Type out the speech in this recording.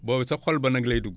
boobu sa xol ba nag lay dugg